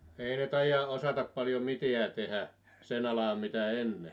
ei ne taida osata paljon mitään tehdä sen alaan mitä ennen